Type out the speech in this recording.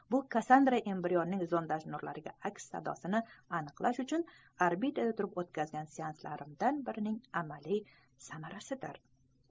bu kassandra embrionlarning zondaj nurlarga aks sadosini aniqlash uchun orbitada turib o'tkazgan seanslarimdan birining amaliy samarasidir